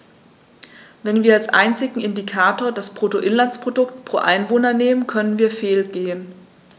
Wenn wir als einzigen Indikator das Bruttoinlandsprodukt pro Einwohner nehmen, können wir fehlgehen.